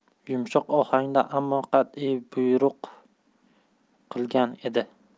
yumshoq ohangda ammo qat'iy bo'yruk qilgan edi